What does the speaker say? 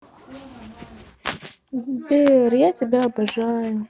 сбер я тебя обожаю